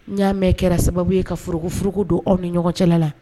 N y'a mɛn kɛra sababu ye ka furuku furuku don aw ni ɲɔgɔncɛ la la